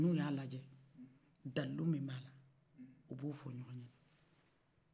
dalilu min b'ala o bɛ o fɔ ɲɔngɔn ɲɛnnɛ